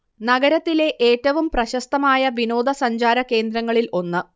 നഗരത്തിലെ ഏറ്റവും പ്രശസ്തമായ വിനോദസഞ്ചാര കേന്ദ്രങ്ങളിൽ ഒന്ന്